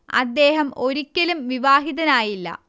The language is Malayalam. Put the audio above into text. അദ്ദേഹം ഒരിക്കലും വിവാഹിതനായില്ല